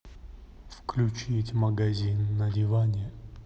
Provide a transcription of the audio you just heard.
включить магазин на диване